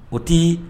O tɛ